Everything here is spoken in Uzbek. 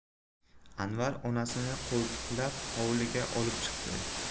anvar onasini qo'ltiqlab hovliga olib chiqdi